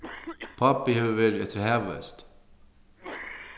pápi hevur verið eftir havhesti